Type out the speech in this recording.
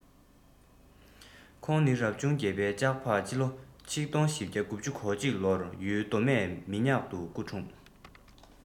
ཁོང ནི རབ བྱུང བརྒྱད པའི ལྕགས ཕག ཕྱི ལོ ༡༤༩༡ ལོར ཡུལ མདོ སྨད མི ཉག ཏུ སྐུ འཁྲུངས